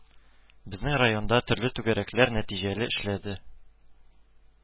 Безнең районда төрле түгәрәкләр нәтиҗәле эшләде